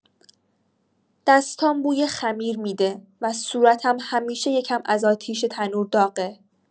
دستام بوی خمیر می‌ده و صورتم همیشه یه کم از آتیش تنور داغه.